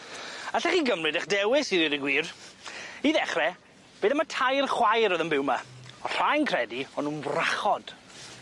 Allech chi gymryd 'ych dewis i ddeud y gwir i ddechre, beth am y tair chwaer o'dd yn byw 'ma, o' rhai'n credu o' nw'n wrachod.